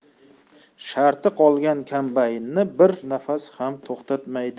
sharti qolgan kombaynni bir nafas ham to'xtatmaydi